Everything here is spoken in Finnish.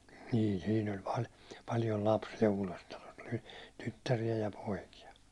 niillä siinä oli - paljon lapsia Uudessatalossa oli tyttäriä ja poikia